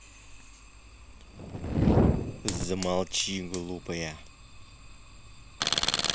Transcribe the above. замолчи глупая